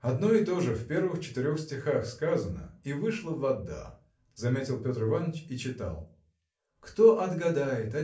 – Одно и то же в первых четырех стихах сказано и вышла вода – заметил Петр Иваныч и читал Кто отгадает